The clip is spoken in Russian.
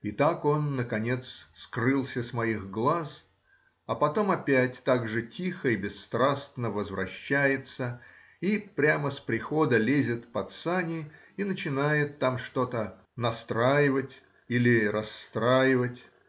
И так он, наконец, скрылся с моих глаз, а потом опять так же тихо и бесстрастно возвращается и прямо с прихода лезет под сани и начинает там что-то настроивать или расстроивать.